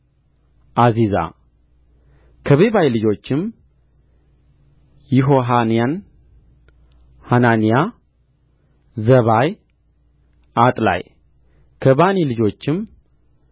ዓዚዛ ከቤባይ ልጆችም ይሆሐናን ሐናንያ ዘባይ አጥላይ ከባኒ ልጆችም